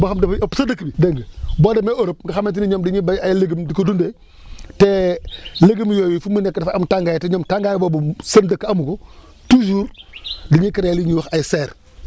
boo xam dafay ëpp sax dëkk bi dégg nga boo demee Europe nga xamante ni ñoom dañuy béy ay légumes di ko dundee te légumes yooyu fu mu nekk dafa am tàngaay te ñoom tàngaay boobu seen dëkk amu ko toujours dañuy créer lu ñuy wax ay serre